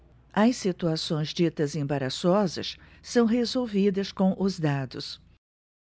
as situações ditas embaraçosas são resolvidas com os dados